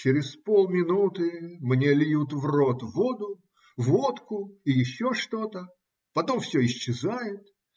Через полминуты мне льют в рот воду, водку и еще что-то. Потом все исчезает.